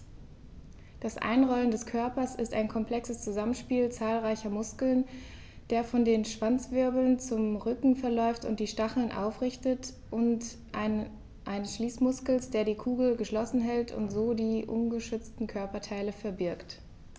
Das Einrollen des Körpers ist ein komplexes Zusammenspiel zahlreicher Muskeln, der von den Schwanzwirbeln zum Rücken verläuft und die Stacheln aufrichtet, und eines Schließmuskels, der die Kugel geschlossen hält und so die ungeschützten Körperteile verbirgt.